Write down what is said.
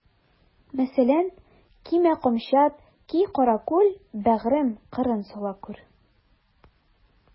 Мәсәлән: Кимә камчат, ки каракүл, бәгърем, кырын сала күр.